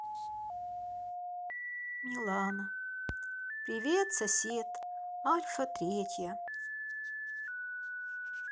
милана привет сосед альфа третья